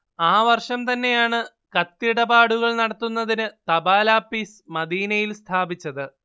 ആ വർഷം തന്നെയാണ് കത്തിടപാടുകൾ നടത്തുന്നതിനു തപാലാപ്പീസ് മദീനയിൽ സ്ഥാപിച്ചത്